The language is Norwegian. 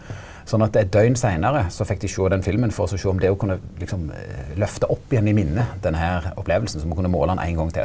sånn at eit døgn seinare så fekk dei sjå den filmen for også sjå om det og kunne liksom løfte opp igjen i minnet den her opplevinga, så me kunne måla han ein gong til.